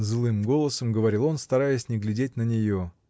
— злым голосом говорил он, стараясь не глядеть на нее.